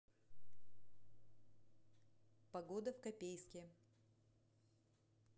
погода в копейске